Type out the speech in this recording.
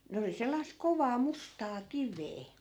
ne oli sellaista kovaa mustaa kiveä